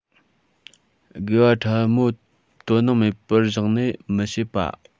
དགེ བ ཕྲ མོ དོ སྣང མེད པར བཞག ནས མི བྱེད པ